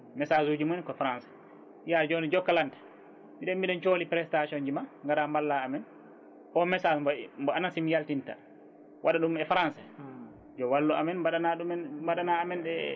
message uji mumen ko Français mbiya joni Jokalante miɗen cohli préstation ji ma gara mballa amen o message mbo ANACIM yaltinta waɗa ɗum e Français yo wallu amen mbaɗana ɗumen mbaɗana amen